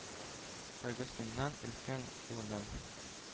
Кайгысыннан өлкән улының